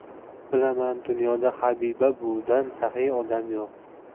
bilaman dunyoda habiba buvidan saxiy odam yo'q